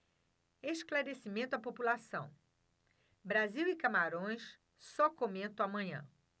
esclarecimento à população brasil e camarões só comento amanhã